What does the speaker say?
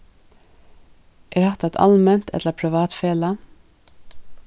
er hetta eitt alment ella privat felag